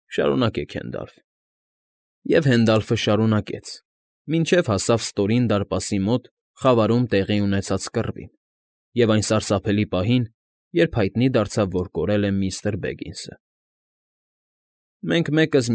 Շարունակե՛ք, Հենդալֆ… Եվ Հենդալֆը շարունակեց, մինչև հասավ ստորին դարպասի մոտ խավարում տեղի ունեցած կռվին և այն սարսափելի պահին, եր հայտնի դրաձավ, որ կորել է միստր Բեգինսը. «Մենք մեկս։